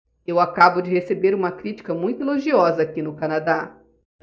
eu acabo de receber uma crítica muito elogiosa aqui no canadá